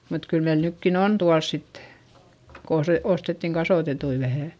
mutta kyllä meillä nytkin on tuolla sitten kun - ostettiin kasvatettuja vähän